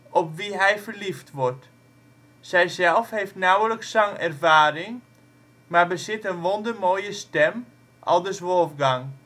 op wie hij verliefd wordt. Zijzelf heeft nauwelijks zangervaring, maar bezit een wondermooie stem, aldus Wolfgang